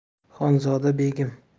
xonzoda begim